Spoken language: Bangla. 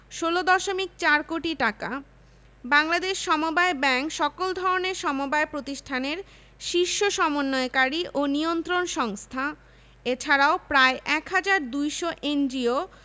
বাংলাদেশের পাললিক ভূগর্ভস্থ জলস্তরগুলো পৃথিবীর সর্বোৎকৃষ্টভূগর্ভস্থ জলাধারগুলোর অন্যতম এখানকার প্লাবনভূমি এলাকায় অত্যল্প